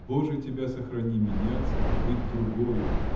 Боже тебя сохрани меняться, быть другою!